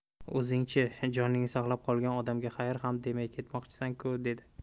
o'zing chi joningni saqlab qolgan odamga xayr ham demay ketmoqchisan ku dedi